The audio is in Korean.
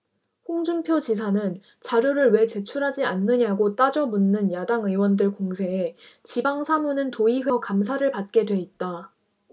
홍준표 지사는 자료를 왜 제출하지 않느냐고 따져 묻는 야당 의원들 공세에 지방 사무는 도의회에서 감사를 받게 돼 있다